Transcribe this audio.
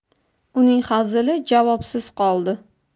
uning hazili javobsiz qoldi